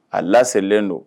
A laselen don